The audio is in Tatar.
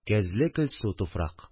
Кәзле көлсу туфрак